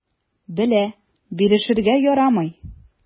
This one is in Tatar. Белә: бирешергә ярамый.